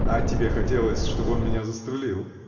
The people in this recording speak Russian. — А тебе хотелось, чтоб он меня застрелил?